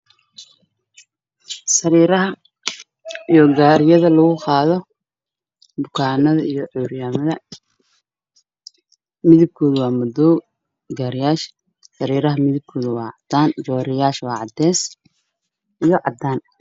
Sariiraha iyo gaarida lagu qaado dad curyamaada ah